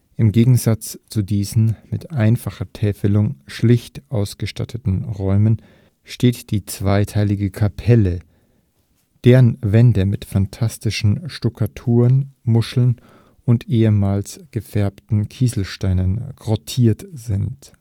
Im Gegensatz zu diesen mit einfacher Täfelung schlicht ausgestatteten Räumen steht die zweiteilige Kapelle, deren Wände mit phantastischen Stuckaturen, Muscheln und ehemals gefärbten Kieselsteinen grottiert sind